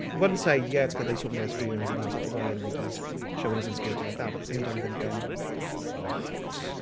One side, yeah, it's good that he's talking about his feelings, in that sort of way and he's showing his insecurity like that. But at the same time, I'm thinking "What?"